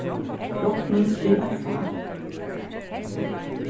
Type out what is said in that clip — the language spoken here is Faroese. rokning er eitt fak